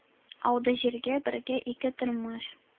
Ауды җиргә бергә ике тормыш,